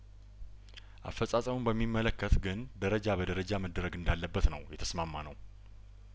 አፈጻጸሙን በሚመለከት ግን ደረጃ በደረጃ መደረግ እንዳለበት ነው የተስማማ ነው